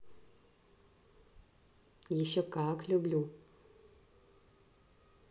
еще как люблю